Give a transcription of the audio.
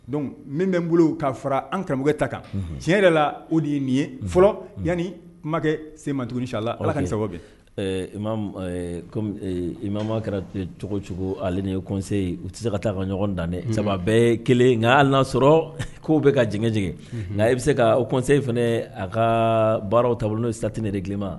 Donc min bɛ n bolo ka fara an karamɔgɔkɛ ta kan tiɲɛ yɛrɛ la o de ye nin ye fɔlɔ yanani kumakɛ se ma sa a la ala ka sababu bi ma kɛra cogo cogo ale yese u tɛ se ka taa ka ɲɔgɔn dantɛ saba bɛɛ kelen nka'sɔrɔ ko'o bɛ ka jjɛ nka e bɛ se ka o kɔse fana a ka baaraw taabolo bolo n'o sati de tile ma